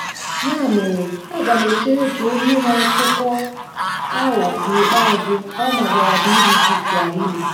Ya mere, a ga m echere ka e nye akụkọ ahụ n'ikpeazụ, Ouma gwara BBC Swahili.